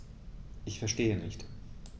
Ich verstehe nicht.